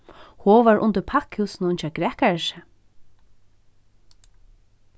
hon var undir pakkhúsinum hjá grækarisi